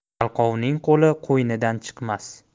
yalqovning qo'li qo'ynidan chiqmas